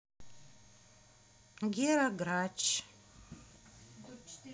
гера грач